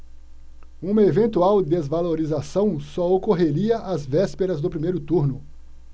uma eventual desvalorização só ocorreria às vésperas do primeiro turno